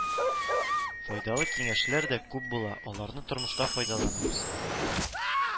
Файдалы киңәшләр дә күп була, аларны тормышта файдаланабыз